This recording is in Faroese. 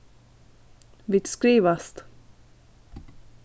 vit skrivast